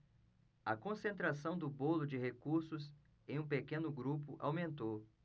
a concentração do bolo de recursos em um pequeno grupo aumentou